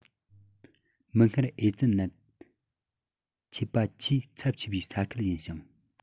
མིག སྔར ཨེ ཙི ནད མཆེད པ ཆེས ཚབས ཆེ བའི ས ཁུལ ཡིན ཞིང